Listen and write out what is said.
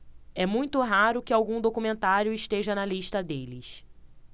é muito raro que algum documentário esteja na lista deles